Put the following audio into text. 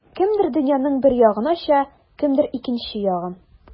Кемдер дөньяның бер ягын ача, кемдер икенче ягын.